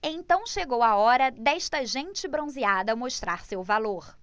então chegou a hora desta gente bronzeada mostrar seu valor